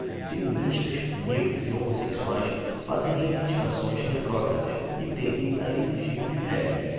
feministas negros e homossexuais fazem reivindicações retrógradas e tendem a exigir privilégios